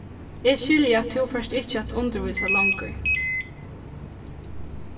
eg skilji at tú fert ikki at undirvísa longur